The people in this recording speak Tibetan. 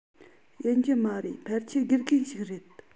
ཡིན གྱི མ རེད ཕལ ཆེར དགེ རྒན ཞིག རེད